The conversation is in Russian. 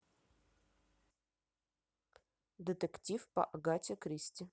детектив по агате кристи